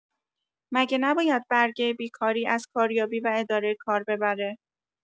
مگه نباید برگه بیکاری از کاریابی و اداره کار ببره؟!